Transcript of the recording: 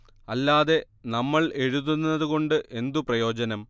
അല്ലാതെ നമ്മൾ എഴുതുന്നത് കൊണ്ട് എന്തു പ്രയോജനം